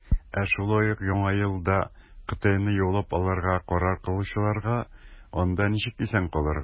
Ә шулай да Яңа елда Кытайны яулап алырга карар кылучыларга, - анда ничек исән калырга.